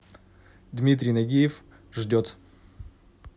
дмитрий нагиев ждет